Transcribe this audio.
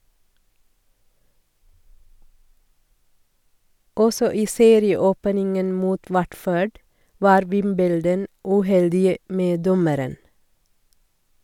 Også i serieåpningen mot Watford var Wimbledon uheldige med dommeren.